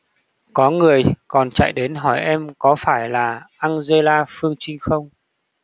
có người còn chạy đến hỏi em có phải là angela phương trinh không